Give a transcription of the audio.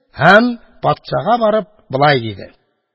Һәм, патшага барып, болай диде: